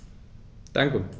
Danke.